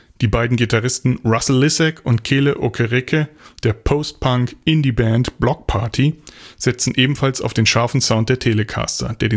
Die beiden Gitarristen, Russel Lissack und Kele Okereke, der Post-Punk -/ Indie-Band Bloc Party setzen ebenfalls auf den scharfen Sound der Telecaster, der